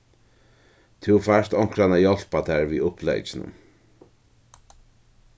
tú fært onkran at hjálpa tær við upplegginum